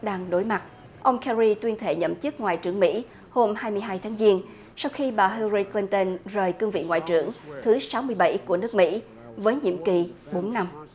đang đối mặt ông ke ry tuyên thệ nhậm chức ngoại trưởng mỹ hôm hai mươi hai tháng giêng sau khi bà hi la ry cờ lin tơn rời cương vị ngoại trưởng thứ sáu mươi bảy của nước mỹ với nhiệm kỳ bốn năm